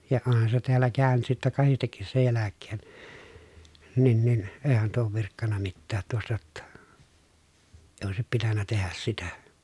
ja onhan se täällä käynyt sitten kahdestikin sen jälkeen niin niin eihän tuo ole virkkanut mitään tuosta jotta ei olisi pitänyt tehdä sitä